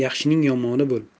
yaxshining yomoni bo'l